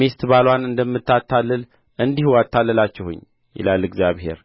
ሚስት ባልዋን እንደምታታታልል እንዲሁ አታለላችሁኝ ይላል እግዚአብሔር